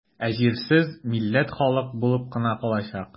Ә җирсез милләт халык булып кына калачак.